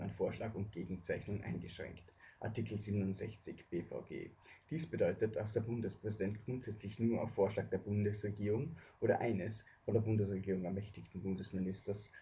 Vorschlag und Gegenzeichnung eingeschränkt (Art. 67 B-VG). Dies bedeutet, dass der Bundespräsident grundsätzlich nur auf Vorschlag der Bundesregierung (oder eines von der Bundesregierung ermächtigten Bundesministers